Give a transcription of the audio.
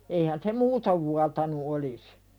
eihän se muuten vuotanut olisi